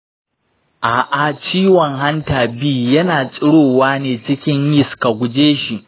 a’a, ciwon hanta b yana tsirowa ne cikin yis. ka guje shi.